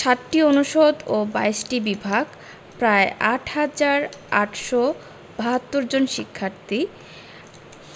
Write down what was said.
৭টি অনুষদ ও ২২টি বিভাগ প্রায় ৮ হাজার ৮৭২ জন শিক্ষার্থী